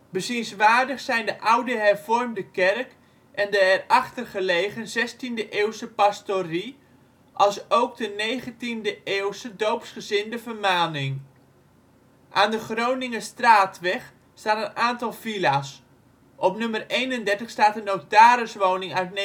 Bezienswaardig zijn de oude hervormde kerk en de erachter gelegen 16e eeuwse pastorie, alsook de 19e eeuwse doopsgezinde vermaning. Aan de Groningerstraatweg staan een aantal villa 's: Op nr. 31 staat een notariswoning uit 1911